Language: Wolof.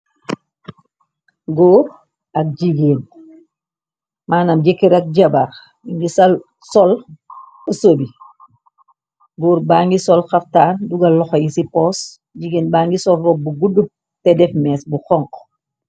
Gorre ak jigain, maanam jekarr ak jabarr ngi sal sol ashobi, gorre bangi sol xaftaan dugal lokhor yi ci poss, jigain bangi sol rohbu bu gudu teh def meeche bu khonku.